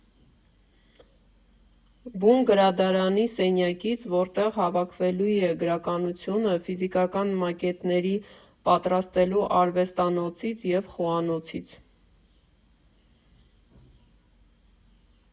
Բուն գրադարանի սենյակից, որտեղ հավաքվելու է գրականությունը, ֆիզիկական մակետների պատրաստելու արվեստանոցից և խոհանոցից։